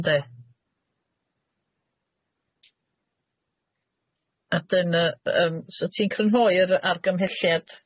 Ynde, a dyna yym so ti'n crynhoi'r argymhelliad?